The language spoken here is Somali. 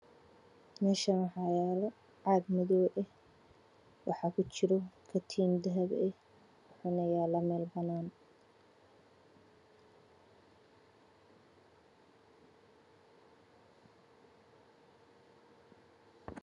Meeshan waxaa yaalo aag madow ah waxaa ku jira katirsan midabkiisu yahay dahabi